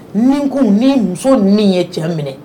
Ninkun ni muso nin ye cɛ minɛ